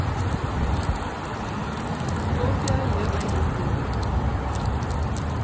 Ուտոպիա և փլուզումը։